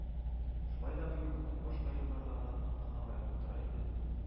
Шулай да быел бу көн башка еллардагыдан нык кына аерылып тора иде